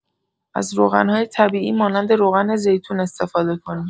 از روغن‌های طبیعی مانند روغن‌زیتون استفاده کنید.